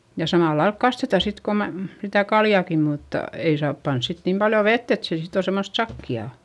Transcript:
ja samalla lailla kastetaan sitten kun - sitä kaljaakin mutta ei saa panna sitten niin paljon vettä että se sitten on semmoista sakeaa